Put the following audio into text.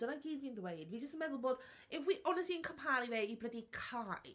Dyna gyd fi'n ddweud. Fi jyst un meddwl bod... If we honestly yn cymharu fe i blydi Kai.